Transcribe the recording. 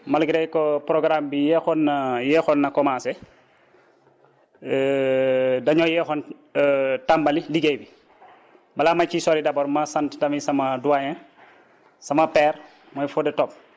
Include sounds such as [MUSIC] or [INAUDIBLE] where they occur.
malgré que programme bi yéexoon na yéexoon na commencé [HESITATION] dañoo yéexoon [HESITATION] tàmbali liggéey bi balaa ma ciy sori d' abord ma sant tamit sama doyen sama père mooy Fodé Top